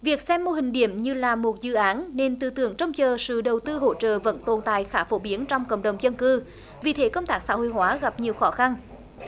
việc xem mô hình điểm như là một dự án nên tư tưởng trông chờ sự đầu tư hỗ trợ vẫn tồn tại khá phổ biến trong cộng đồng dân cư vì thế công tác xã hội hóa gặp nhiều khó khăn